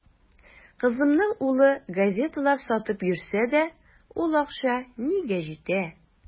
Кызымның улы газеталар сатып йөрсә дә, ул акча нигә җитә.